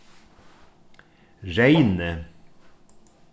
reynið